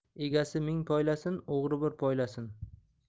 egasi ming poylasin o'g'ri bir poylasin